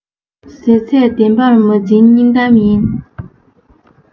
ཟེར ཚད བདེན པར མ འཛིན སྙིང གཏམ ཡིན